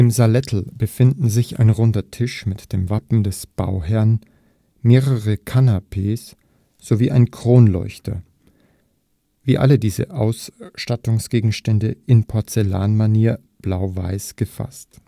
Salettl befinden sich ein runder Tisch mit dem Wappen des Bauherrn, mehrere Kanapees sowie ein Kronleuchter - wie alle diese Ausstattungsgegenstände in Porzellanmanier blau-weiß gefasst